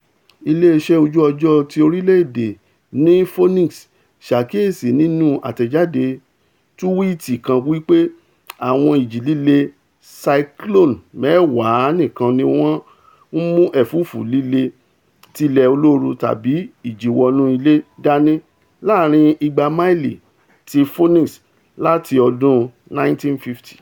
Ilé-iṣẹ́ Ojú-ọjọ́ ti orílẹ̀-èdè ní Phoenix ṣàkíyèsí nínú àtẹ̀jade tuwiti kan wí pé ''àwọn ìjì-líle cyclone mẹ́wàá nìkan níwọn nmú ẹ̀fúùfú lílé tilẹ̀ olóoru tàbi ìjìnwọnú-ilẹ̀ dání láàrin igba máìlì ti Phoenix láti ọdún 1950!